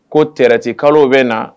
Ko tɛrɛti kalo bɛ na